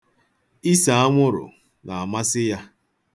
Ise anwụrụ na-amasị ya.